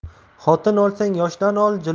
xotin olsang yoshdan